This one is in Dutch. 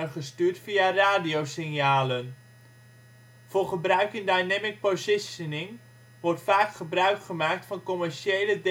gestuurd via radiosignalen. Voor gebruik in dynamic positioning wordt vaak gebruikgemaakt van commerciële